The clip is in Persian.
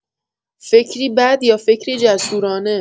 فکری بد یا فکری جسورانه